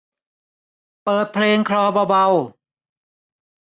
เปิดเพลงคลอเบาเบา